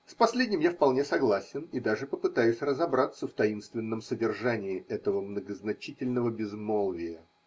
С последним я вполне согласен и даже попытаюсь разобраться в таинственном содержании этого мно гозначительного безмолвия.